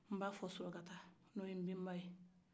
nba fɔ sulakata n'o ye nbenba ye